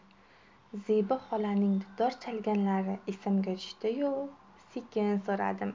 zebi xolaning dutor chalganlari esimga tushdiyu sekin so'radim